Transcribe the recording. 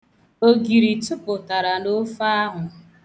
Ogiri tụpụtara n'ofe ahụ.